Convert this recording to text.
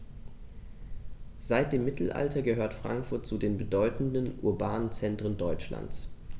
Seit dem Mittelalter gehört Frankfurt zu den bedeutenden urbanen Zentren Deutschlands.